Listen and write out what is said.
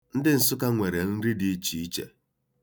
Ndị Nsụka nwere nri dị iche iche.